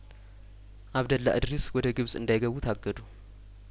አብደላ እድሪስ ወደ ግብጽ እንዳይገቡ ታገዱ